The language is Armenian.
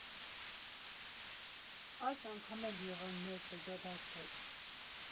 Այս անգամ էլ եղան նոր շրջադարձեր.